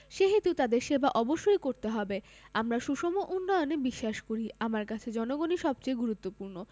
সেহেতু তাদের সেবা অবশ্যই করতে হবে আমরা সুষম উন্নয়নে বিশ্বাস করি আমার কাছে জনগণই সবচেয়ে গুরুত্বপূর্ণ